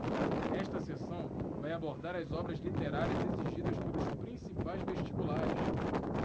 esta seção vai abordar as obras literárias exigidas pelos principais vestibulares